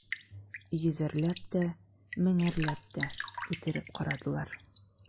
Йөзәрләп тә, меңәрләп тә үтереп карадылар.